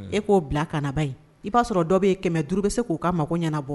E k'o bila kana ba in i b'a sɔrɔ dɔ bɛ ye 500 bɛ se k'o ka mago ɲɛnabɔ